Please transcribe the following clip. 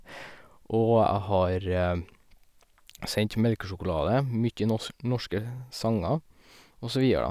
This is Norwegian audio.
Og jeg har sendt melkesjokolade, mye nos norske sanger, og så videre, da.